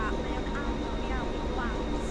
a mae o'n anodd iawn i blant